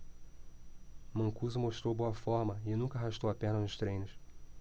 mancuso mostrou boa forma e nunca arrastou a perna nos treinos